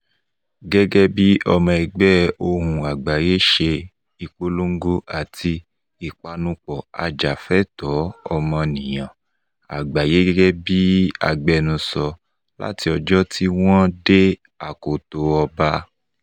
Gẹ́gẹ́ bí ọmọ ẹgbẹ́ Ohùn Àgbáyé ṣe ìpolongo àti ìpanupọ̀ ajàfúnẹ̀tọ́ ọmọnìyàn àgbáyé gẹ́gẹ́ bi agbẹnusọ láti ọjọ́ tí wọ́n dé akoto ọba.